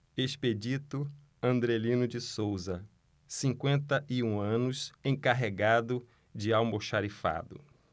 expedito andrelino de souza cinquenta e um anos encarregado de almoxarifado